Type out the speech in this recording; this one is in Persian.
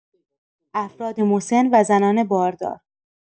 افراد مسن و زنان باردار